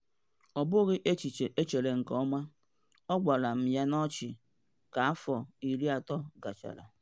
“Ọ bụghị echiche echere nke ọma, “ọ gwara m ya n’ọchị ka afọ 30 gachara.